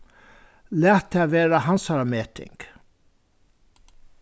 lat tað vera hansara meting